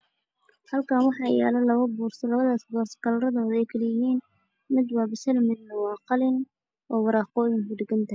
Kah kaan waxaa yaalo labo boorso midibadooda kala yihiin midna waa basali midna waa qalin oo waraaqad ku dhagan